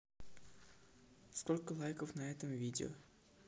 сколько лайков на этом видео